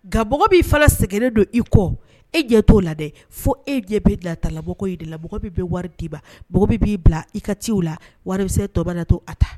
Nka b b'i fa sɛgɛnnen don i kɔ e jɛ t'o la dɛ fo e jɛ bɛ lata laɔgɔkɔ' de la bɛ bɛ wari'iba bɛ b'i bila i ka ciw la wari bɛkisɛ tɔbatɔ a ta